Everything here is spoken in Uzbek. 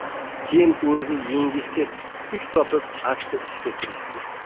keyin o'zini yengishga kuch topib asta ishga kirishdi